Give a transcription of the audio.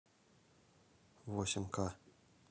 восемь ка